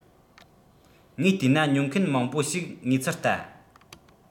ངས བལྟས ན ཉོ མཁན མང པོ ཞིག ངེས ཚུལ ལྟ